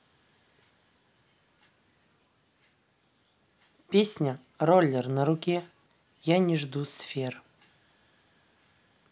песня roller на руке я не жду сфер